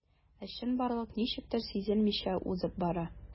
Ә чынбарлык ничектер сизелмичә узып бара.